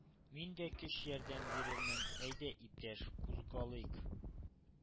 Мин дә көч-ярдәм бирермен: әйдә, иптәш, кузгалыйк,